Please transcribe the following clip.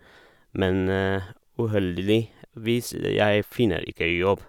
Men uheldigvis jeg finner ikke jobb.